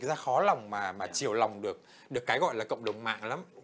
ta khó lòng mà mà chiều lòng được được cái gọi là cộng đồng mạng lắm